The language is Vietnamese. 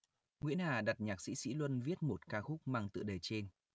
nguyễn hà đặt nhạc sĩ sỹ luân viết một ca khúc mang tựa đề trên